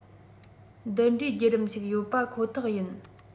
འདི འདྲའི བརྒྱུད རིམ ཞིག ཡོད པ ཁོ ཐག ཡིན